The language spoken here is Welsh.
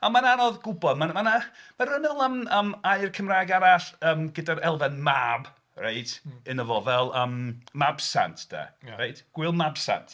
Mae'n anodd gwybod mae 'na... mae 'na fedra i feddwl am am air Cymraeg arall yym gyda'r elfen mab, reit, yn'o fo fel yym Mabsant 'de... Reit... Gwyl Mabsant.